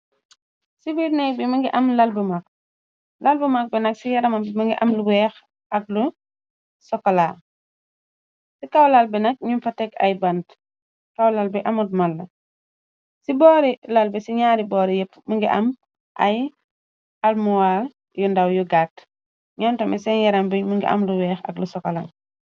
ci wiirney bi mngi am ab a lal bu mag bi nag ci yarama bi mëngi axaklsci kaw lal bi nag ñuñ fa tegg ay bant kawlal bi amut monla ci boori lal bi ci ñaari boori yépp më ngi am ay almual yu ndaw yu gatt ñoontami seen yaram bi mi ngi am lu weex ak lu sokolan